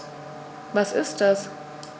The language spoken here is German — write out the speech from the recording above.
Was ist das?